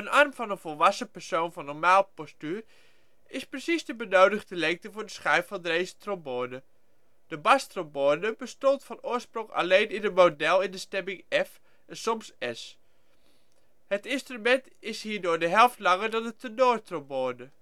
arm van een volwassen persoon van normaal postuur is precies de benodigde lengte voor de schuif van deze trombone. De bastrombone bestond van oorsprong alleen in een model in de stemming F (soms Es). Het instrument is hierdoor de helft langer dan de tenortrombone